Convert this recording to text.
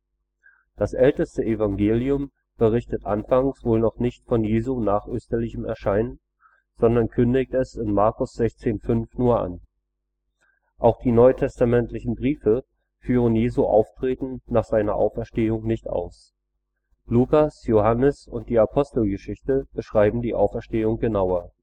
Das älteste Evangelium berichtete anfangs wohl noch nicht von Jesu nachösterlichem Erscheinen, sondern kündigte es in Mk 16,5 nur an. Auch die NT-Briefe führen Jesu Auftreten nach seiner Auferstehung nicht aus. Lukas, Johannes und die Apostelgeschichte beschreiben die Auferstehung genauer